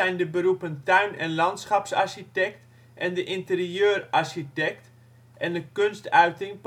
De beroepen tuin - en landschapsarchitect en de interieurarchitect en de kunstuiting